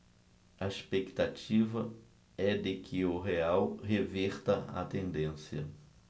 a expectativa é de que o real reverta a tendência